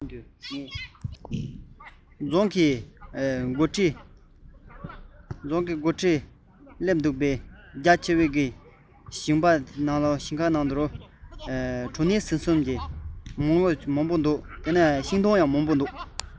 རྫོང གི མགོ ཁྲིད སླེབས འདུག རྒྱ ཆེ བའི ཞིང ཐང དུ གྲོ ནས སྲན གསུམ གྱི གཡུ ལོ རྒྱས ནས འདུག མུ ཁ ཀུན ཏུ ངས མཐོང མ མྱོང བའི ཤིང སྡོང དུ མ སྐྱེས